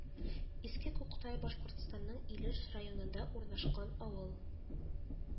Иске Күктай Башкортстанның Илеш районында урнашкан авыл